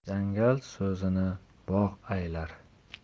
jangal o'zini bog' aylar